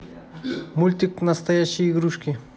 мультик настоящие игрушки